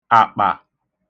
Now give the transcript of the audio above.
àkpà